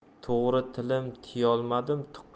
to'g'ri tilim tiyolmadim